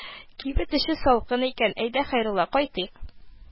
Кибет эче салкын икән, әйдә, Хәйрулла, кайтыйк,